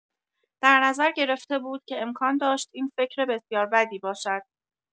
در نظر گرفته بود که امکان داشت این فکر بسیار بدی باشد.